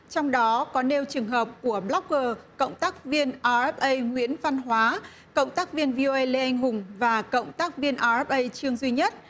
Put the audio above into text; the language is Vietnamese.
trong đó có nêu trường hợp của bờ lốc gơ cộng tác viên ó ây nguyễn văn hóa cộng tác viên vi u ây lê anh hùng và cộng tác viên ó ây trương duy nhất